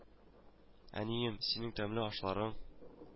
Әнием, синең тәмле ашларың